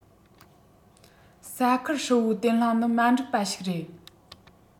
ས ཁུལ ཧྲིལ པོའི བརྟན ལྷིང ནི མ འགྲིག པ ཞིག རེད